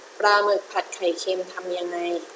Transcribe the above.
ปลาหมึกผัดไข่เค็มทำยังไง